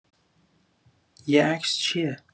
یه عکس چیه